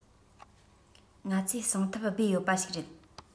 ང ཚོས གསང ཐབས སྦས ཡོད པ ཞིག རེད